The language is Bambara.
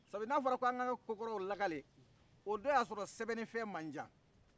sabu n' a fɔra k'an ka ka kokɔrɔ lakale o do y'a sɔrɔ sɛbɛnni fɛn man can